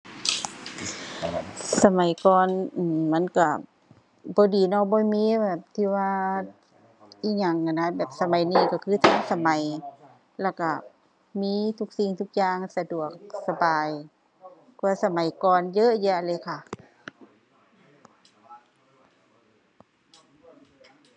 สมัยก่อนมันก็บ่ดีเนาะ บ่มีแบบที่ว่าอิหยังอะนะ แบบสมัยนี้ก็คือทันสมัย แล้วก็มีทุกสิ่งทุกอย่าง สะดวกสบายกว่าสมัยก่อนเยอะแยะเลยค่ะ